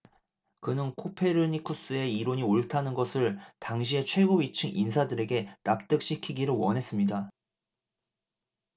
그는 코페르니쿠스의 이론이 옳다는 것을 당시의 최고위층 인사들에게 납득시키기를 원했습니다